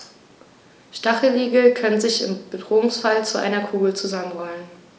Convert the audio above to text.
Stacheligel können sich im Bedrohungsfall zu einer Kugel zusammenrollen.